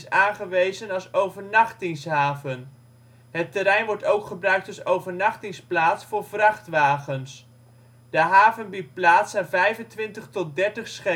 aangewezen als overnachtingshaven; het terrein wordt ook gebruikt als overnachtingsplaats voor vrachtwagens. De haven biedt plaats aan 25 tot 30 schepen